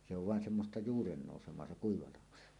se on vain semmoista juurennousemaa se kuiva laho